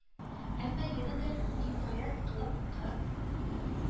Әмма янә дә инаять кылып, Кы